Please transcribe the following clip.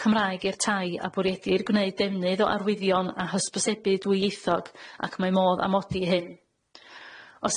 Cymraeg i'r tai a bwriedir gwneud defnydd o arwyddion a hysbysebu dwyieithog ac mae modd amodi hyn.